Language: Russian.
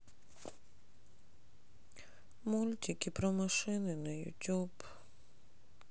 мультики про машины на ютуб